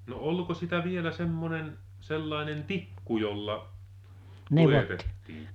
no oliko sitä vielä semmoinen sellainen tikku jolla luetettiin